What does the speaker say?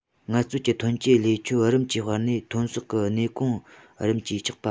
ངལ རྩོལ གྱི ཐོན སྐྱེད ལས ཆོད རིམ གྱིས སྤར ནས ཐོན ཟོག གི གནས གོང རིམ གྱིས བཅག པ